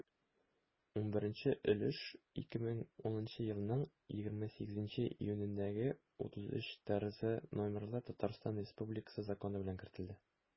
11 өлеш 2010 елның 28 июнендәге 33-трз номерлы татарстан республикасы законы белән кертелде.